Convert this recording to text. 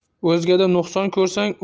o'zgada nuqson ko'rsang